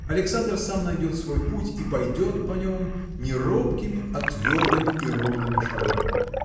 Александр сам найдет свой путь и пойдет по нем не робкими а твердыми и ровными шагами.